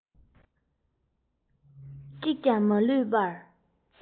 གཅིག ཀྱང མ ལུས པར